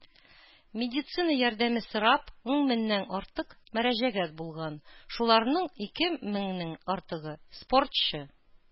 Медицина ярдәме сорап ун меңнән артык мөрәҗәгать булган, шуларның ике меңнән артыгы - спортчы.